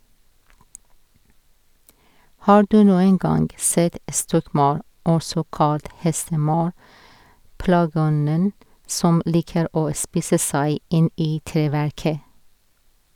Har du noen gang sett stokkmaur, også kalt hestemaur, plageånden som liker å spise seg inn i treverket?